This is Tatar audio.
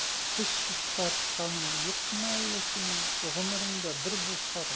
Теш чистартканың юкмы әллә синең гомереңдә бер булса да?